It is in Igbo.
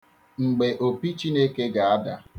Mgbe opi Chineke ga-ada.